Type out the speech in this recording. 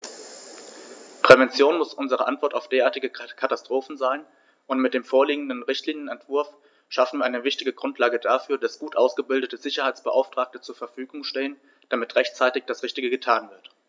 Prävention muss unsere Antwort auf derartige Katastrophen sein, und mit dem vorliegenden Richtlinienentwurf schaffen wir eine wichtige Grundlage dafür, dass gut ausgebildete Sicherheitsbeauftragte zur Verfügung stehen, damit rechtzeitig das Richtige getan wird.